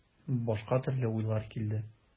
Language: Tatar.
Башка төрле уйлар килде.